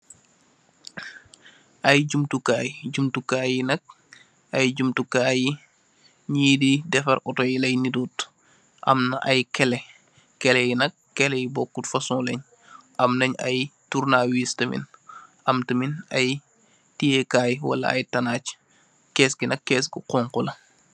Ay jumtokai jumtokai yee nak ay jumtokai nee di defar auto lay nduru amna ay kele kele yi nak kele yu bokut fosong len amnen ay turnawiss tamit amnen ay tiyex kai wala ay tanag kess gi nak kess gu xonxu la.